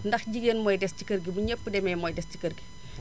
ndax jigéen mooy des ci kër gi bu ñëpp demee mooy des ci kër gi